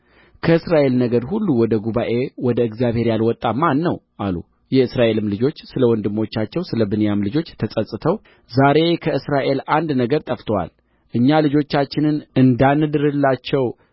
ከእስራኤል ነገድ ሁሉ ወደ ጉባኤ ወደ እግዚአብሔር ያልወጣ ማን ነው አሉ የእስራኤልም ልጆች ስለ ወንድሞቻቸው ስለ ብንያም ልጆች ተጸጽተው ዛሬ ከእስራኤል አንድ ነገድ ጠፍቶአል እኛ ልጆቻችንን እንዳንድርላቸው